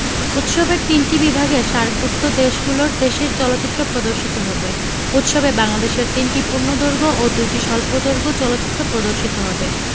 উৎসবের তিনটি বিভাগে সার্কভুক্ত দেশের চলচ্চিত্র প্রদর্শিত হবে উৎসবে বাংলাদেশের ৩টি পূর্ণদৈর্ঘ্য ও ২টি স্বল্পদৈর্ঘ্য চলচ্চিত্র প্রদর্শিত হবে